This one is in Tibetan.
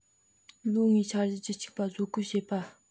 ལོ ལྔའི འཆར གཞི བཅུ གཅིག པ བཟོ འགོད བྱེད པ